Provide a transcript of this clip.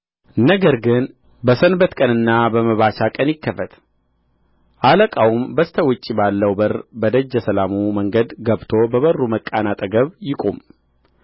ነገር ግን በሰንበት ቀንና በመባቻ ቀን ይከፈት አለቃውም በስተ ውጭ ባለው በር በደጀ ሰላሙ መንገድ ገብቶ በበሩ መቃን አጠገብ ይቁም